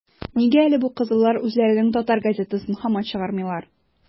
- нигә әле бу кызыллар үзләренең татар газетасын һаман чыгармыйлар?